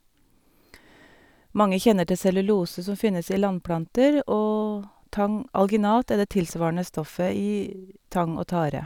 Mange kjenner til cellulose, som finnes i landplanter, og tang alginat er det tilsvarende stoffet i tang og tare.